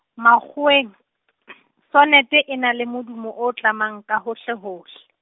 makgoweng , sonete e na le morumo o tlamang ka hohlehohle.